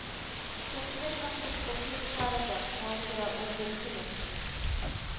Чендлерның күп комплекслары бар, шуңа күрә ул гөл көлә